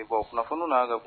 Bon kunnafoni y'a ka